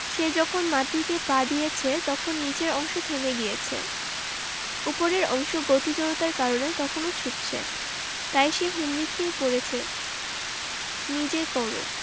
সে যখন মাটিতে পা দিয়েছে তখন নিচের অংশ থেমে গিয়েছে ওপরের অংশ গতি জড়তার কারণে তখনো ছুটছে তাই সে হুমড়ি খেয়ে পড়ছে নিজে কর